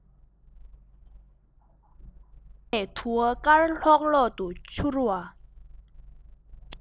ཁ ནས དུ བ དཀར ལྷོག ལྷོག ཏུ འཕྱུར བ